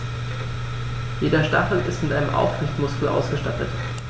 Jeder Stachel ist mit einem Aufrichtemuskel ausgestattet.